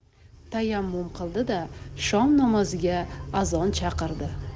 tayammum qildi da shom namoziga azon chaqirdi